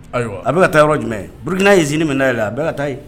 Ayiwa a bɛka ka taa yɔrɔ jumɛn burukina ye zi minɛ naa la a bɛka ka taa yen